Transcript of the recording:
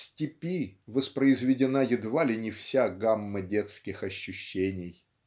в "Степи" воспроизведена едва ли не вся гамма детских ощущений.